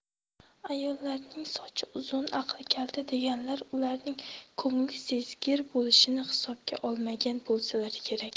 ayollarning sochi uzun aqli kalta deganlar ularning ko'ngli sezgir bo'lishini hisobga olmagan bo'lsalar kerak